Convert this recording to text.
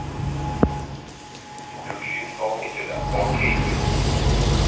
включи исполнителя окей кид